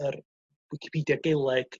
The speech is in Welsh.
yr Wicipeidia Gaeleg